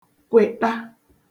kwèṭa